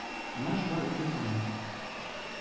Менә шулай укый Кәрим,